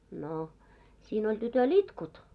no siinä oli tytöllä itkut